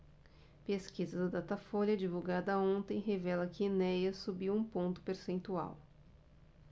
pesquisa do datafolha divulgada ontem revela que enéas subiu um ponto percentual